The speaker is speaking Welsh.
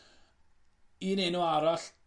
un enw arall